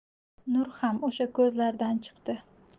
nur xam usha ko'zlardan chikdi